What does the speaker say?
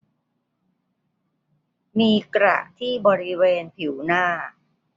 มีกระที่บริเวณผิวหน้า